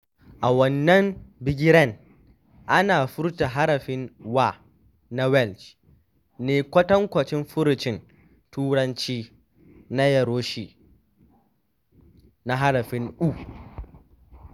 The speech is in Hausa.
A wannan bigiren, ana furta harafin w na Welsh ne kwatankwacin furucin Turanci na Yorshire na harafin u.